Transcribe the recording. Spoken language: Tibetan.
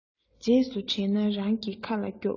རྗེས སུ དྲན ན རང གི ཁ ལ རྒྱོབ